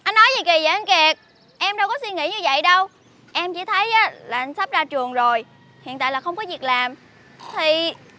anh nói gì vậy anh kiệt em đâu có suy nghĩ như vậy đâu em chỉ thấy là anh sắp ra trường rồi hiện tại là không có việc làm thì